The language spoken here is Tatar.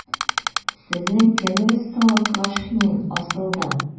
Сезнең кемегез соң ул Квашнин, асылда? ..